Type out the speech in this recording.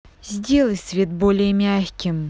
сделай свет более мягким